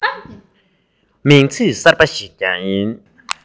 མིང ཚིག གསར པ ཞིག ཀྱང ཡིན